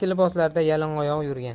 liboslarda yalangoyoq yurgan